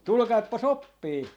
tulkaapas oppiin